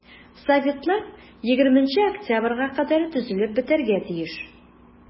Советлар 20 октябрьгә кадәр төзелеп бетәргә тиеш.